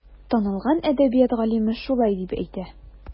Танылган әдәбият галиме шулай дип әйтә.